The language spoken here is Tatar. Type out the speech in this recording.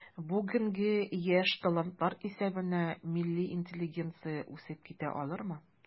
Бүгенге яшь талантлар исәбенә милли интеллигенция үсеп китә алырмы?